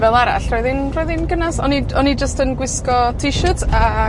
fel arall, roedd hi'n, roedd hi'n gynas, o'n i d-, o'n i jyst yn gwisgo t shirts a